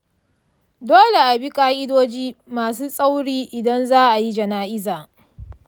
dole abi ka'idoji masu tsauri idan za'ayi jana'iza.